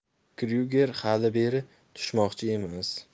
kryuger hali beri tushmoqchi emas